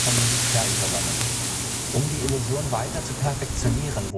Militär übernommen. Um die Illusion weiter zu perfektionieren